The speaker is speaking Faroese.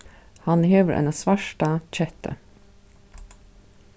hann hevur eina svarta kettu